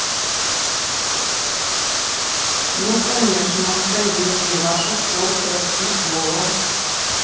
ну конечно просто если ваших то прости слово